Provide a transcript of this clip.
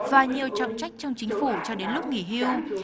và nhiều trọng trách trong chính phủ cho đến lúc nghỉ hưu